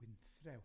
Wynthrew.